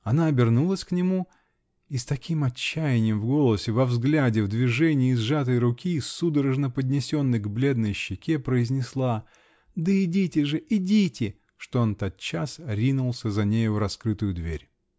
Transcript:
Она обернулась к нему и с таким отчаянием в голосе, во взгляде, в движении сжатой руки, судорожно поднесенной к бледной щеке, произнесла: "Да идите же, идите!" -- что он тотчас ринулся за нею в раскрытую дверь.